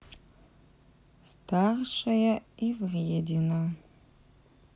старшая и вредина